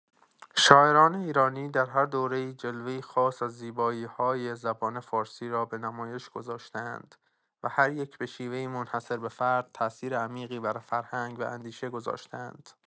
شاعران ایرانی در هر دوره‌ای جلوه‌ای خاص از زیبایی‌های زبان فارسی را به نمایش گذاشته‌اند و هر یک به شیوه‌ای منحصربه‌فرد، تاثیر عمیقی بر فرهنگ و اندیشه گذاشته‌اند.